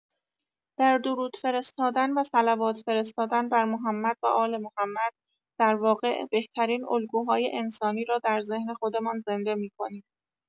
در درود فرستادن و صلوات فرستادن بر محمد و آل‌محمد در واقع بهترین الگوهای انسانی را در ذهن خودمان زنده می‌کنیم